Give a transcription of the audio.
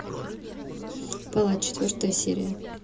палач четвертая серия